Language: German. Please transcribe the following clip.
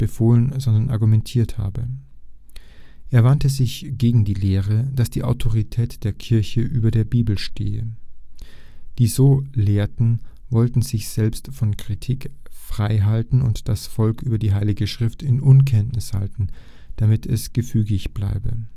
befohlen, sondern argumentiert habe. Er wandte sich gegen die Lehre, dass die Autorität der Kirche über der Bibel stehe. Die so lehrten, wollten sich selbst von Kritik freihalten und das Volk über die Heilige Schrift in Unkenntnis halten, damit es gefügig bleibe